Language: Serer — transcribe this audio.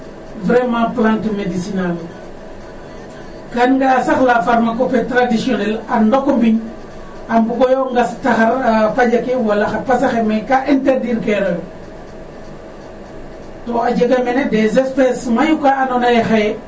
vraiment plante médecinale o .Kan laya sax la pharma copé traditionnel a ndok o mbiñ a mbugooyo ngas taxar a paƴa ke wala xa pas xe mais ka interdir kelooyo to a jega mene des especes mayu ka andoonaye xaye